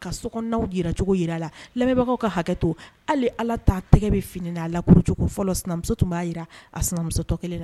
Ka sow la lamɛnbagaw ka hakɛ hali ala taa tɛgɛ bɛ fini a lakuruurucogo fɔlɔ sinamuso tun b'a jira a sinamuso kelen na